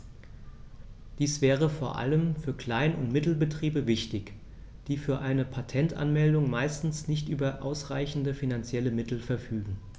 Dies wäre vor allem für Klein- und Mittelbetriebe wichtig, die für eine Patentanmeldung meistens nicht über ausreichende finanzielle Mittel verfügen.